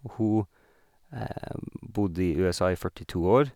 Og hun bodde i USA i førtito år.